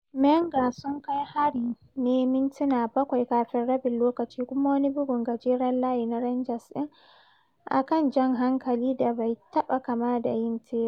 Menga sun kai harin ne mintina bakwai kafin rabin lokaci kuma wani bugun gajeren layi na Rangers din a kan jan hankali da bai taɓa kama da yin lebur.